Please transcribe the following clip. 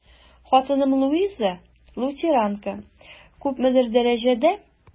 Хатыным Луиза, лютеранка, күпмедер дәрәҗәдә...